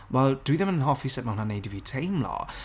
Wel, dwi ddim yn hoffi sut ma' hwnna'n wneud i fi teimlo.